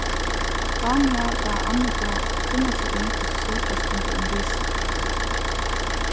dania bað anniku kunna seg um hvussu søkjast kundi um visa